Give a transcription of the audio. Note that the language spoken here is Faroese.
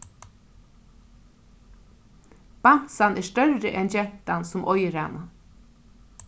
bamsan er størri enn gentan sum eigur hana